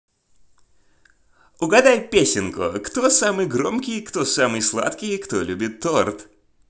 угадай песенку кто самый громкий кто самый сладкий кто любит торт